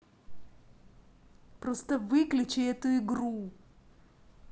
просто выключи эту игру